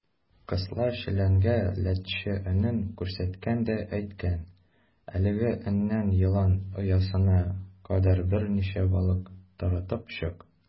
Кысла челәнгә ләтчә өнен күрсәткән дә әйткән: "Әлеге өннән елан оясына кадәр берничә балык таратып чык".